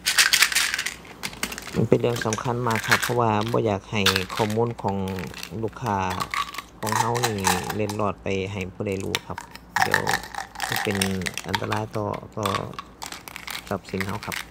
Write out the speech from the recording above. มันเป็นเรื่องสำคัญมากครับเพราะว่าบ่อยากให้ข้อมูลของลูกค้า ของเรานี่เล็ดลอดไปให้ผู้ใดรู้ครับ เดี๋ยวสิเป็นอันตรายต่อ ต่อทรัพย์สินเราครับ